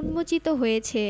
উন্মোচিত হয়েছে